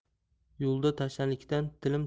yo'lda tashnalikdan tilim